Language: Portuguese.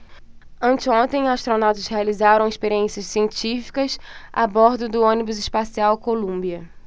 anteontem astronautas realizaram experiências científicas a bordo do ônibus espacial columbia